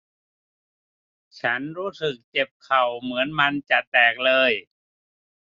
ฉันรู้สึกเจ็บเข่าเหมือนมันจะแตกเลย